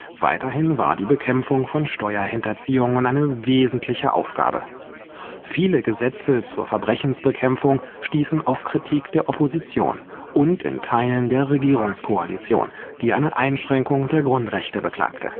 Weiterhin war die Bekämpfung von Steuerhinterziehungen eine wesentliche Aufgabe. Viele Gesetze zur Verbrechensbekämpfung stießen auf Kritik der Opposition und in Teilen der Regierungskoalition, die eine Einschränkung der Grundrechte beklagte